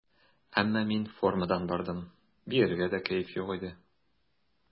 Әмма мин формадан бардым, биергә дә кәеф юк иде.